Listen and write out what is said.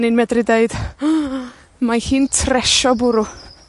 ni'n medru deud, mae hi'n tresio bwrw.